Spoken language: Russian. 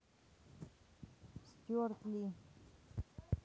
стюарт ли